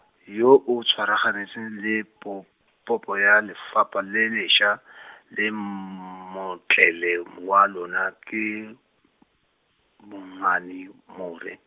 yo o tshwaraganetseng le po-, popo ya lefapha le lesa , le mm- motlele m- wa lona ke, Bongani More.